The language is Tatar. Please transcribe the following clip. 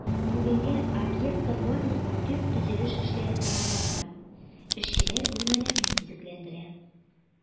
Бүгенгә объектта барлык төп төзелеш эшләре тәмамланган, эшчеләр бүлмәләрне төзекләндерә.